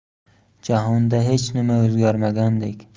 jahonda hech nima o'zgarmagandek